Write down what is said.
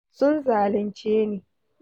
Sun zalunce ni!